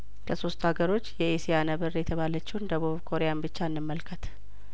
ከሶስቱ አገሮች የኤ ሲያነብር የተባለችውን ደቡብ ኮሪያን ብቻ እንመልከት